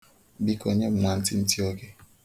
Biko nye m nwantịntị oge.